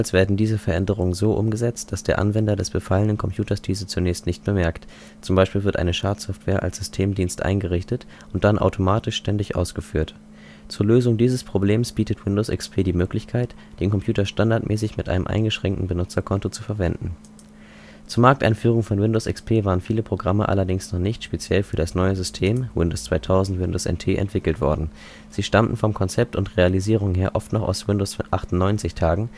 werden diese Veränderungen so umgesetzt, dass der Anwender des befallenen Computers diese zunächst nicht bemerkt (z. B. wird eine Schadsoftware als Systemdienst eingerichtet und dann automatisch ständig ausgeführt). Zur Lösung dieses Problems bietet Windows XP die Möglichkeit, den Computer standardmäßig mit einem eingeschränkten Benutzerkonto zu verwenden. Zur Markteinführung von Windows XP waren viele Programme allerdings noch nicht speziell für das neue System (Windows 2000, Windows NT) entwickelt worden. Sie stammten von Konzept und Realisierung her oft noch aus Windows-98-Tagen